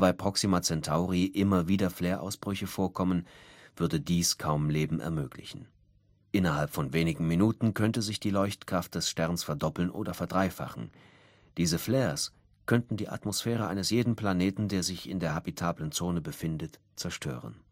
Proxima Centauri immer wieder Flareausbrüche vorkommen, würde dies kaum Leben ermöglichen. Innerhalb von wenigen Minuten könnte sich die Leuchtkraft des Sterns verdoppeln oder verdreifachen. Diese Flares könnten die Atmosphären eines jeden Planeten, der sich in der habitablen Zone befindet, zerstören